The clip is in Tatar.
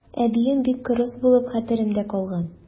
Әбием бик кырыс булып хәтеремдә калган.